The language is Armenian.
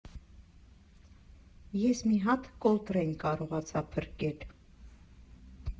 Ես մի հատ Կոլտրեյն կարողացա փրկել։